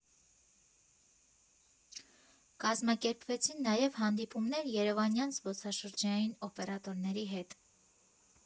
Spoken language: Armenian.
Կազմակերպվեցին նաև հանդիպումներ երևանյան զբոսաշրջային օպերատորների հետ։